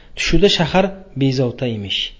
tushida shahar bezovta emish